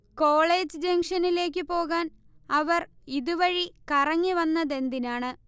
college ജംഗ്ഷനിലേക്കു പോകാൻ അവർ ഇതു വഴി കറങ്ങി വന്നതെന്തിനാണ്